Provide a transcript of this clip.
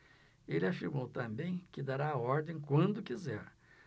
ele afirmou também que dará a ordem quando quiser